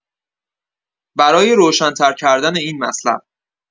برای روشن‌تر کردن این مطلب